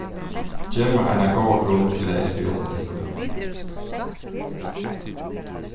gev mær eina góða grund til at eg skal hjálpa tykkum